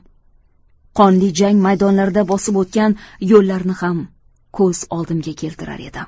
qonli jang maydonlarida bosib o'tgan yo'llarini ham ko'z oldimga keltirar edim